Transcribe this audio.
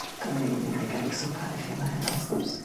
'dan nin mynd i gynnig swpar i chi yma heno wrth gwrs.